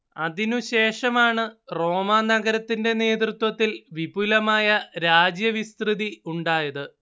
അതിനുശേഷമാണ് റോമാനഗരത്തിന്റെ നേതൃത്വത്തിൽ വിപുലമായ രാജ്യവിസ്തൃതി ഉണ്ടായത്